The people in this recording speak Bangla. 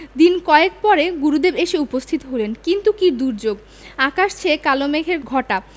দিন কয়েক পরে গুরুদেব এসে উপস্থিত হলেন কিন্তু কি দুর্যোগ আকাশ ছেয়ে কালো মেঘের ঘটা